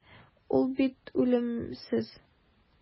Ул бит үлемсез.